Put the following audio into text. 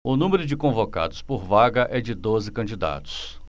o número de convocados por vaga é de doze candidatos